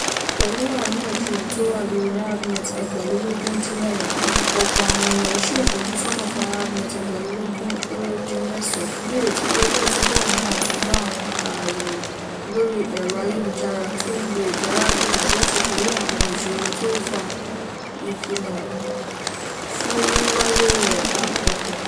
Pẹ̀lu àríyànjiyàn tó wà lórí ArabNet 2010, ọ̀pọ̀ àwọn eèyàn ṣì ń fojúsọ́nà fún ArabNet 2011 ní ìrètí pé yóò túbọ̀ mú ọ̀tun bá àwọn aàyè lórí ẹ̀rọ ayélujárató ń lo èdè Arabic àti láti borí àwọn ìṣòro tó fa ìdínà fún wíwáyé rẹ̀ àkọ́kọ́.